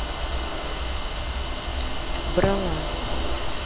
брала